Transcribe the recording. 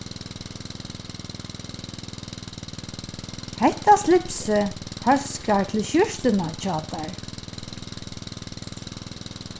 hetta slipsið hóskar til skjúrtuna hjá tær